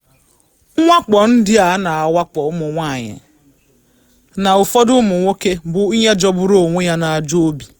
Mwakpo ndị a na-awakpo ụmụnwaanyị a (na ụfọdụ ụmụ nwoke) bụ ihe jọgburu onwe ya na ajọọ obi.